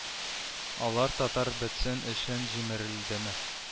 Алар татар бетсен өчен җимерелдеме